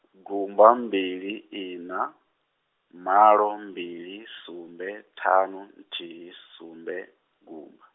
gumba mbili ina, malo mbili sumbe ṱhanu nthihi sumbe, gumba.